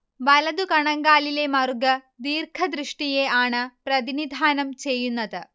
വലതു കണങ്കാലിലെ മറുക് ദീര്ഘദൃഷ്ടിയെ ആണ് പ്രതിനിധാനം ചെയ്യുന്നത്